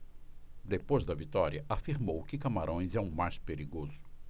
depois da vitória afirmou que camarões é o mais perigoso